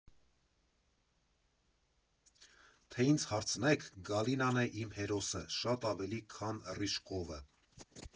Թե ինձ հարցնեք՝ Գալինան է իմ հերոսը, շատ ավելի, քան Ռիժկովը։